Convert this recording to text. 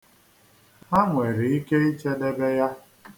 Ha nwere ike ichedebe ya.